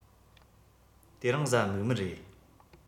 དེ རིང གཟའ མིག དམར རེད